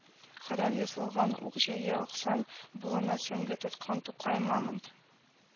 Гыдан ясалган ук-җәя аскан, кулына сөңге тоткан тукай мамонт